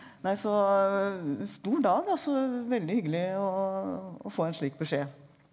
nei så stor dag altså veldig hyggelig å å få en slik beskjed.